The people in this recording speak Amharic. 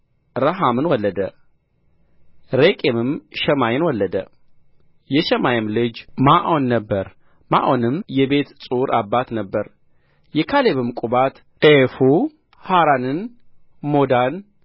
ረሐምን ወለደ ሬቄምም ሸማይን ወለደ የሸማይም ልጅ ማዖን ነበረ ማዖንም የቤት ጹር አባት ነበረ የካሌብም ቁባት ዔፋ ሐራንን ሞዳን